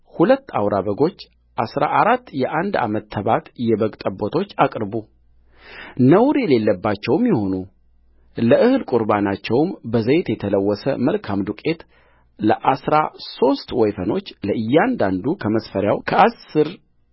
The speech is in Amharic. ሁለት አውራ በጎች አሥራ አራት የአንድ ዓመት ተባት የበግ ጠቦቶች አቅርቡ ነውር የሌለባቸውም ይሁኑለእህል ቍርባናቸውም በዘይት የተለወሰ መልካም ዱቄት ለአሥራ ሦስት ወይፈኖች ለእያንዳንዱ ከመስፈሪያው ከአሥር